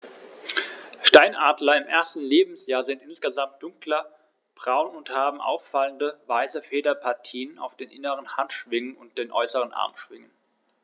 Steinadler im ersten Lebensjahr sind insgesamt dunkler braun und haben auffallende, weiße Federpartien auf den inneren Handschwingen und den äußeren Armschwingen.